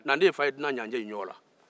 naanden fa ye dunan naanden ye